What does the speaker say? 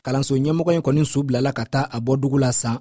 kalanso ɲɛmɔgɔ in kɔni su bilala ka taa a bɔdugu la san